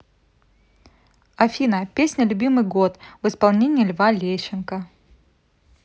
афина песня любимый город в исполнении льва лещенко